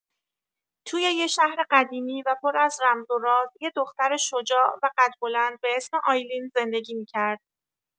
توی یه شهر قدیمی و پر از رمز و راز، یه دختر شجاع و قدبلند به اسم آیلین زندگی می‌کرد.